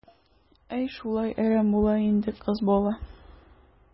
Әй, шулай әрәм була инде кыз бала.